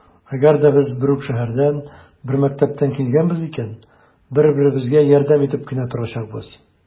Әгәр дә без бер үк шәһәрдән, бер мәктәптән килгәнбез икән, бер-беребезгә ярдәм итеп кенә торачакбыз.